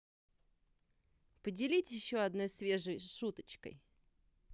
поделитесь еще одной свежей шуточкой